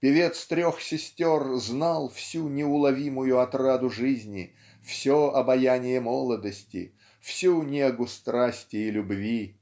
Певец трех сестер знал всю неуловимую отраду жизни все обаяние молодости всю негу страсти и любви